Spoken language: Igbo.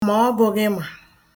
màọbụ̄ghịmà